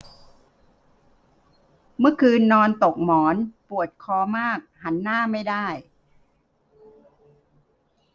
เมื่อคืนนอนตกหมอนปวดคอมากหันหน้าไม่ได้